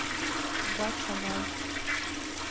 гача лайф